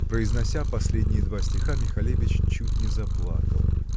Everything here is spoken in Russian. Произнося последние два стиха, Михалевич чуть не заплакал